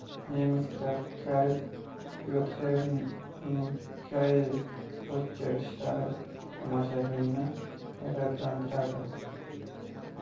nemis grafi kay byottxerning kai bottcher ishlari tomoshabinni hayratlantiradi